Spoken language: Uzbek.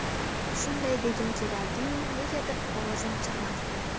shunday degim kelardi yu negadir ovozim chiqmasdi